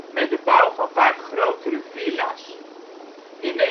met de bouw van vaak grotere villa 's. In